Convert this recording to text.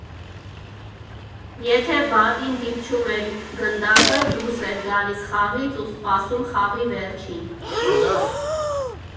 Եթե բադին դիպչում էր գնդակը, դուրս էր գալիս խաղից ու սպասում խաղի վերջին։